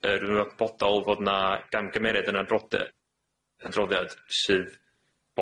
yrwybodol fod 'na gamgymeriad yn androde- androddiad sydd